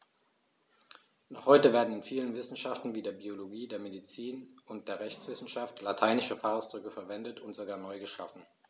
Noch heute werden in vielen Wissenschaften wie der Biologie, der Medizin und der Rechtswissenschaft lateinische Fachausdrücke verwendet und sogar neu geschaffen.